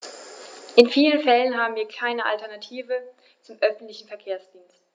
In vielen Fällen haben wir keine Alternative zum öffentlichen Verkehrsdienst.